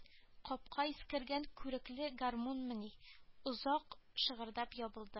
Капка искергән күрекле гармунмыни озак шыгырдап ябылды